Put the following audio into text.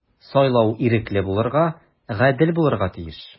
Сайлау ирекле булырга, гадел булырга тиеш.